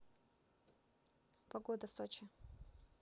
погода сочи